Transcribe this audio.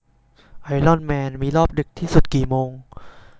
ไอรอนแมนมีรอบดึกที่สุดกี่โมง